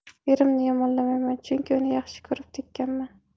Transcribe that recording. erimni yomonlamayman chunki uni yaxshi ko'rib tekkanman